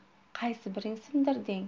qaysi biring sindirding